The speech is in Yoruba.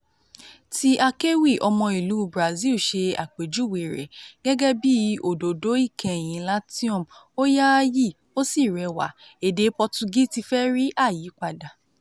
Ti akẹ́wì ọmọ ìlú Brazil ṣe àpéjúwe rẹ̀ gẹ́gẹ́ bíi "òdòdó ìkẹyìn Latium, ó yááyì ó sì rẹwà", èdè Pọtugí ti fẹ́ rí àyípadà.